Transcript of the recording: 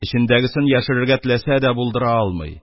Эчендәгесен яшерергә теләсә дә, булдыра алмый,